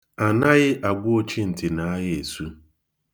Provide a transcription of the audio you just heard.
Anaghị agwa ochintị na agha esu.